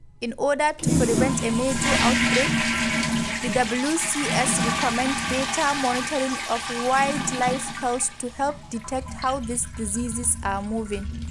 In order to prevent a major outbreak, the WCS recommends better monitoring of wildlife health to help detect how these diseases are moving.